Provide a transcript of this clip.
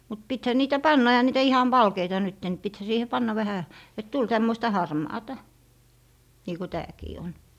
mutta pitihän niitä panna eihän niitä ihan valkeita nyt niin pitihän siihen panna vähän että tuli tämmöistä harmaata niin kuin tämäkin on